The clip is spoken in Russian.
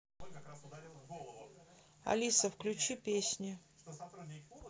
алиса включи песни